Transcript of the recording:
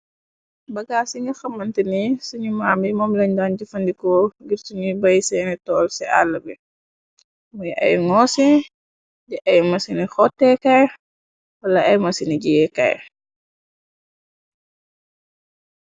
Bagaas yi nga xamante ni sunu maam yi momleñdaañ jafandikoo ngir suñuy baay seeni toll ci àlla bi, muy ay ngoosi, di ay masini xootee kaay wala, ay masini jiyee kaay.